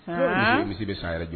Haan, n ko misi bɛ san yɛrɛ jɔ